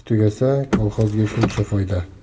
tugasa kolxozga shuncha foyda